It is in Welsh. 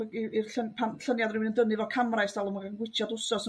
i'r i'r lly- pan llunia' o'dd rywun yn dynnu 'fo camera es'dalwm gwichad wsos yn